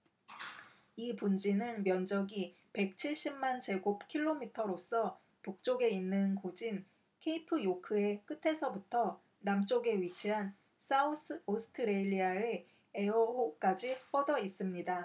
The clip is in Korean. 이 분지는 면적이 백 칠십 만 제곱 킬로미터로서 북쪽에 있는 곶인 케이프요크의 끝에서부터 남쪽에 위치한 사우스오스트레일리아의 에어 호까지 뻗어 있습니다